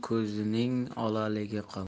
ko'zining olaligi qolmas